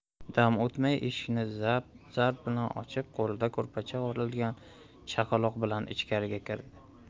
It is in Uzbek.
dam o'tmay eshikni zarb bilan ochib qo'lida ko'rpachaga o'ralgan chaqaloq bilan ichkari kirdi